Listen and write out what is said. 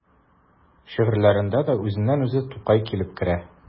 Шигырьләренә дә үзеннән-үзе Тукай килеп керә.